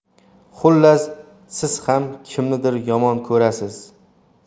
xullas siz ham kimnidir yomon ko'rasiz